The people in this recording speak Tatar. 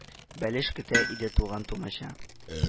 Бәлеш көтә иде инде туган-тумача